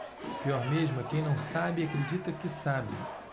pior mesmo é quem não sabe e acredita que sabe